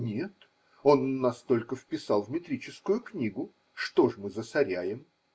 Нет, он нас только вписал в метрическую книгу. Что ж мы засоряем?